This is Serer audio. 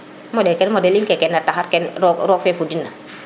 moɗel in keke taxar kene roog fe fudin na